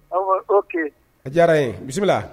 An ma kɛ a diyara yen bisimila la